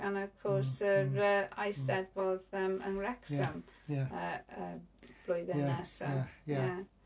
And wrth gwrs yr yy Eisteddfod yn Wrecsam y y blwyddyn nesa, ie.